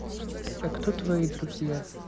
а кто твои друзья